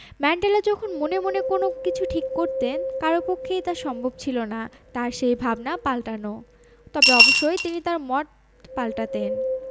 Mandela যখন মনে মনে কোনো কিছু ঠিক করতেন কারও পক্ষেই তা সম্ভব ছিল না তাঁর সেই ভাবনা পাল্টানো তবে অবশ্যই তিনি তাঁর মত পাল্টাতেন